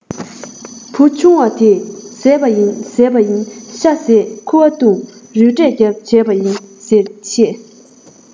བུ ཆུང དེས བཟས པ ཡིན བཟས པ ཡིན ཤ བཟས ཁུ བ བཏུང རུས བཀྲས རྒྱབ བྱས པ ཡིན ཟེར བཤད